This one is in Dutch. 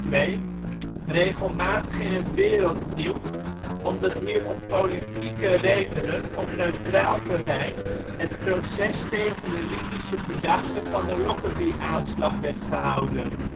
2002 regelmatig in het wereldnieuws, omdat hier om politieke redenen op neutraal terrein het proces tegen de Libische verdachten van de Lockerbie-aanslag werd gehouden